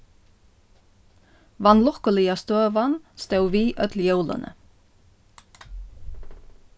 vanlukkuliga støðan stóð við øll jólini